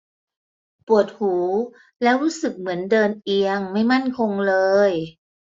ปวดหูแล้วรู้สึกเหมือนเดินเอียงไม่มั่นคงเลย